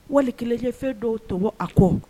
Wali kelenɲɛfɛn dɔ tɔmɔ a kɔ